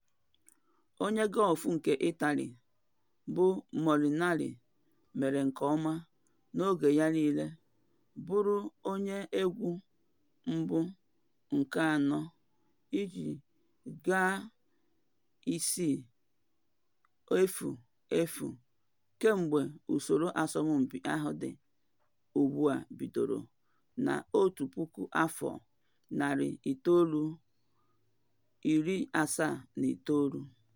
Onye gọlfụ nke Italy bụ Molinari mere nke ọma n’oge ya niile, bụrụ onye egwu 1-nke-4 iji gaa 5-0-0 kemgbe usoro asọmpi ahụ di ugbu a bidoro na 1979.